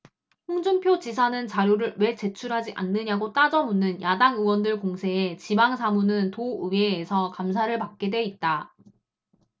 홍준표 지사는 자료를 왜 제출하지 않느냐고 따져 묻는 야당 의원들 공세에 지방 사무는 도의회에서 감사를 받게 돼 있다